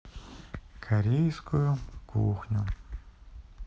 корейскую кухню